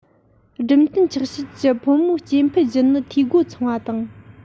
སྦྲུམ རྟེན ཆགས བྱེད ཀྱི ཕོ མོའི སྐྱེ འཕེལ རྒྱུ ནི འཐུས སྒོ ཚང བ དང